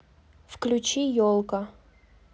включи елка